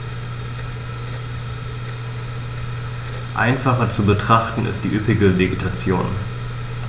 Einfacher zu betrachten ist die üppige Vegetation.